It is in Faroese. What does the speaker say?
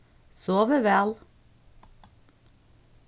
sovið væl